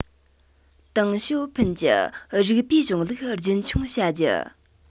ཏེང ཞའོ ཕིན གྱི རིགས པའི གཞུང ལུགས རྒྱུན འཁྱོངས བྱ རྒྱུ